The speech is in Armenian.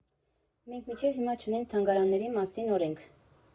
Մենք մինչև հիմա չունենք թանգարանների մասին օրենք։